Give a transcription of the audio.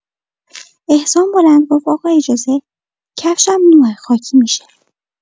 احسان بلند گفت آقا اجازه کفشم نوئه خاکی می‌شه.